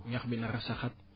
ñax bi nar a saxaat